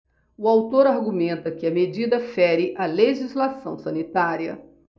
o autor argumenta que a medida fere a legislação sanitária